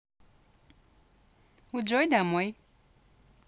у джой домой